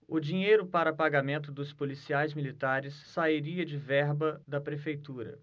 o dinheiro para pagamento dos policiais militares sairia de verba da prefeitura